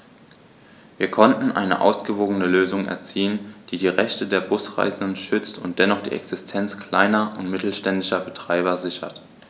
Wir konnten eine ausgewogene Lösung erzielen, die die Rechte der Busreisenden schützt und dennoch die Existenz kleiner und mittelständischer Betreiber sichert.